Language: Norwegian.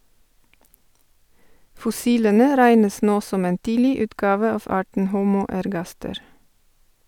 Fossilene regnes nå som en tidlig utgave av arten Homo ergaster.